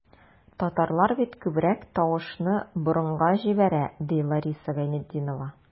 Татарлар бит күбрәк тавышны борынга җибәрә, ди Лариса Гайнетдинова.